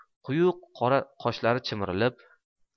quyuq qora qoshlari chimirilib